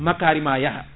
makkari ma yaaha